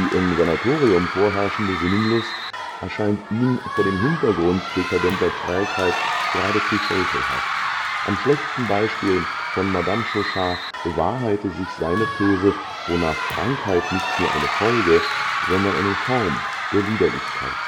im Sanatorium vorherrschende Sinnenlust erscheint ihm vor dem Hintergrund dekadenter Trägheit geradezu frevelhaft. Am schlechten Beispiel von Madame Chauchat bewahrheite sich seine These, wonach Krankheit nicht nur eine Folge, sondern eine Form der Liederlichkeit